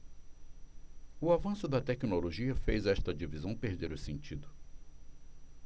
o avanço da tecnologia fez esta divisão perder o sentido